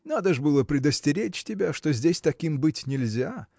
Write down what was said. надо ж было предостеречь тебя, что здесь таким быть нельзя.